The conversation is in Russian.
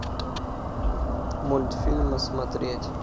мультфильмы смотреть